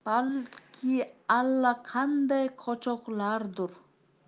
baki allaqanday qochoqlardir